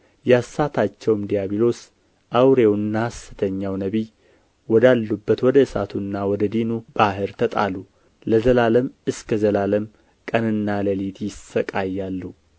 ያሳታቸውም ዲያብሎስ አውሬውና ሐሰተኛው ነቢይ ወዳሉበት ወደ እሳቱና ወደ ዲኑ ባሕር ተጣለ ለዘላለምም እስከ ዘላለም ቀንና ሌሊት ይሣቀያሉ